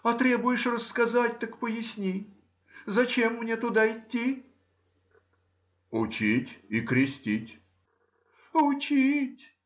— А требуешь рассказать, так поясни: зачем мне туда идти? — Учить и крестить. — Учить?